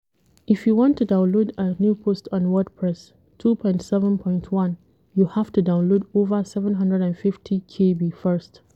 If you want to publish a new post on WordPress (2.7.1), you have to download over 750kb first.